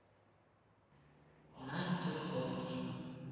настя ковш